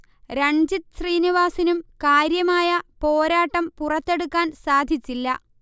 രൺജിത് ശ്രീനിവാസിനും കാര്യമായ പോരാട്ടം പുറത്തെടുക്കാൻ സാധച്ചില്ല